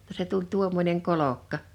jotta se tuli tuommoinen kolkka